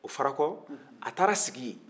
o farakɔ a taara sigi yen